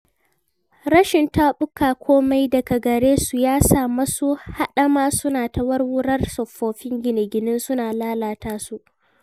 Rashin taɓuka komai daga gare su ya sa masu haɗama suna ta wawurar tsofaffin gine-ginen suna lalata su.